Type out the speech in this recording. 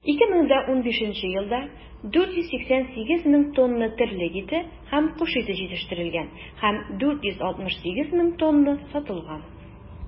2015 елда 488 мең тонна терлек ите һәм кош ите җитештерелгән һәм 468 мең тонна сатылган.